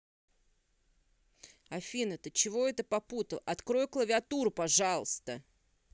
афина ты чего это попутал открой клавиатуру пожалуйста